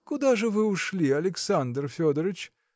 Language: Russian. – Куда же вы ушли, Александр Федорыч?